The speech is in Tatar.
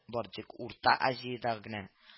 Бары тик урта азияда генә а